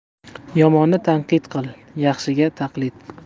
yomonni tanqid qil yaxshiga taqlid